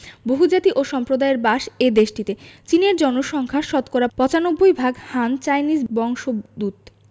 বহুজাতি ও সম্প্রদায়ের বাস এ দেশটিতে চীনের জনসংখ্যা শতকরা ৯৫ ভাগ হান চাইনিজ বংশোদূত